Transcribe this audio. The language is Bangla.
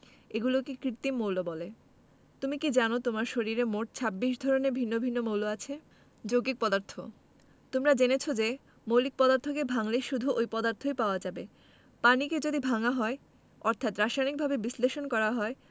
এগুলোকে কৃত্রিম মৌল বলে তুমি কি জানো তোমার শরীরে মোট 26 ধরনের ভিন্ন ভিন্ন মৌল আছে যৌগিক পদার্থ তোমরা জেনেছ যে মৌলিক পদার্থকে ভাঙলে শুধু ঐ পদার্থই পাওয়া যাবে পানিকে যদি ভাঙা হয় অর্থাৎ রাসায়নিকভাবে বিশ্লেষণ করা হয়